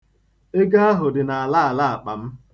Ego ahụ dị n'alaala akpa m.